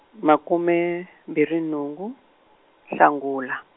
makume mbirhi nhungu, Nhlangula.